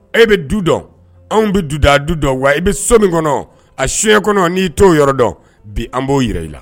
E bɛ du dɔn anw bɛ duda du dɔn wa i bɛ so min kɔnɔ a siɲɛ kɔnɔ n'i' yɔrɔ dɔn bi an b'o jira i la